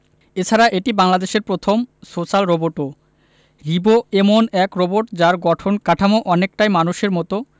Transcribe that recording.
এছাড়া এটি বাংলাদেশের প্রথম সোশ্যাল রোবটও রিবো এমন এক রোবট যার গঠন কাঠামো অনেকটাই মানুষের মতো